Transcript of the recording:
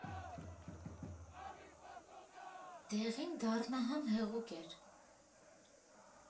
Դեղին, դառնահամ հեղուկ էր։